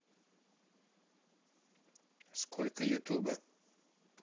сколько youtube